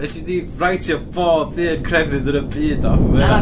Elli di writeio bob un crefydd yn y byd off efo hynna.